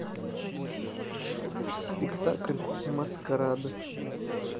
спектакль маскарад